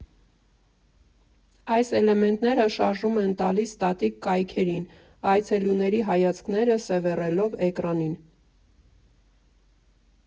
Այս էլեմենտները շարժում են տալիս ստատիկ կայքերին՝ այցելուների հայացքները սևեռելով էկրանին։